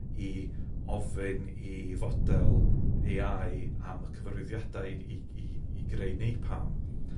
i ofyn i fodel Ay Eye am y cyfarwyddiadau i i i greu napalm.